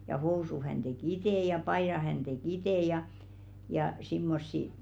ja housut hän teki itse ja paidat hän teki itse ja ja semmoisia